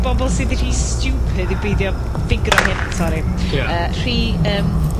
...bobol sydd y' rhy stupid i beidio ffigyro hyn, sori... Ia. ...yy rhy yym